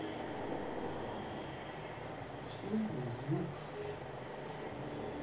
всем плюс грипп